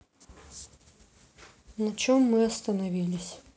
на чем мы остановились